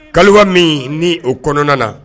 Kaliwa miin ni o kɔnɔna na